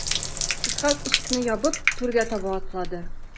Исхак ишекне ябып түргә таба атлады.